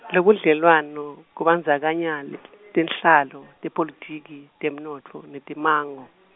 lobudlelwano, kubandzakanya le-, tenhlalo, tepolitiki, temnotfo netemmango.